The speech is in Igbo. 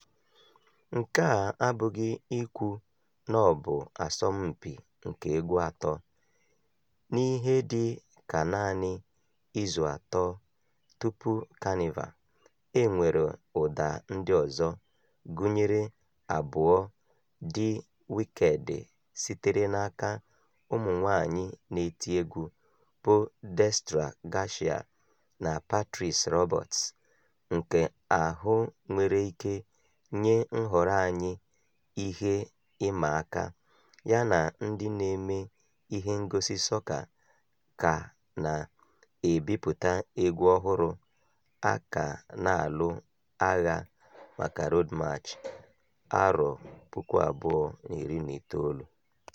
Nke a abụghị ikwu na ọ bụ asọmpị nke egwu atọ. N'ihe dị ka naanị izu atọ tupu Kanịva, e nwere ụda ndị ọzọ — gụnyere abụọ dị wikeedị sitere n'aka ụmụ nwaanyị na-eti egwu bụ Destra Garcia na Patrice Roberts — nke ahụ nwere ike nye nhọrọ anyị ihe ịma aka, yana ndị na-eme ihe ngosi sọka ka na-ebipụta egwu ọhụrụ, a ka na-alụ agha maka Road March 2019.